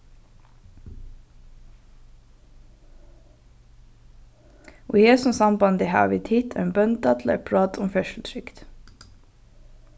í hesum sambandi hava vit hitt ein bónda til eitt prát um ferðslutrygd